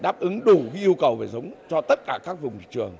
đáp ứng đủ cái yêu cầu về giống cho tất cả các vùng thị trường